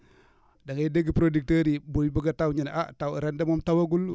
da ngay dégg producteurs yi buy bugg a taw ñu ne ah taw ren de moom tawagul